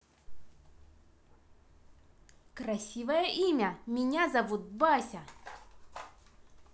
красивое имя меня зовут бася